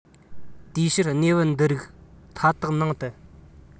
དེའི ཕྱིར གནས བབ འདི རིགས མཐའ དག ནང དུ